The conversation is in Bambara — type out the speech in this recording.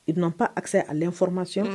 I dɔn pan ase ale le fɔramasi